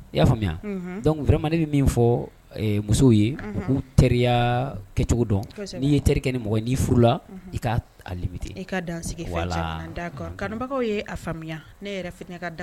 I y'a faamuya, unhun, donc vraiment ne bɛ min fɔ musow ye u k'u teriya kɛcogo dɔn, kosɛbɛ, n'i ye terikɛ kɛ mɔgɔ ni furula i éviter i ka dan sigi fɛn caman na d'accord kanubagaw y'a faamuya ne yɛrɛ ka da